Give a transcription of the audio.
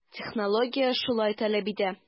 Технология шулай таләп итә.